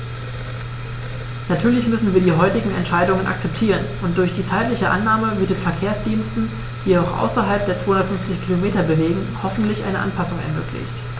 Natürlich müssen wir die heutige Entscheidung akzeptieren, und durch die zeitliche Ausnahme wird den Verkehrsdiensten, die sich außerhalb der 250 Kilometer bewegen, hoffentlich eine Anpassung ermöglicht.